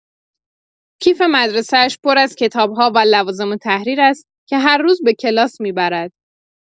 کیف مدرسه‌اش پر از کتاب‌ها و لوازم‌التحریر است که هر روز به کلاس می‌برد.